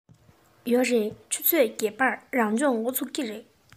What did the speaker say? ཡོད རེད ཆུ ཚོད བརྒྱད པར རང སྦྱོང འགོ ཚུགས ཀྱི རེད